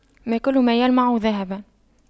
ما كل ما يلمع ذهباً